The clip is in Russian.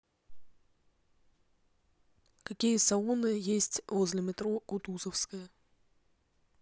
какие салоны есть возле метро кутузовская